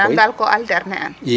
manaam daal ko alterner an ?